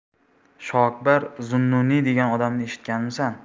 shoakbar zunnuniy degan odamni eshitganmisan